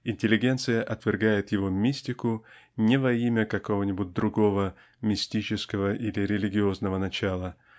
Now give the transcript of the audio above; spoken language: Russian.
интеллигенция отвергает его мистику не во имя какого-нибудь другого мистического или религиозного начала